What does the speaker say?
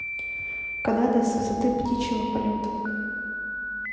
канада с высоты птичьего полета